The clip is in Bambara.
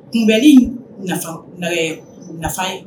Kunbɛn ye nafa ye